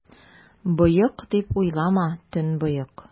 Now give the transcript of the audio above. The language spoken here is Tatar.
Боек, дип уйлама, төнбоек!